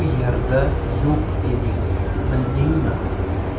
yerda yo'q eding bildingmi